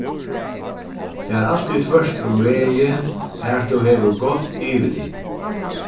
far altíð tvørtur um vegin har tú hevur gott yvirlit